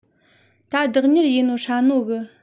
ད བདག གཉེར ཡས ནོ ཧྲ ནོ གི